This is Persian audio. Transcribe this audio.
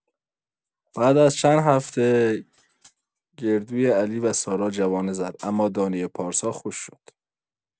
بعد از چند هفته، گردوی علی و سارا جوانه زد، اما دانۀ پارسا خشک شد.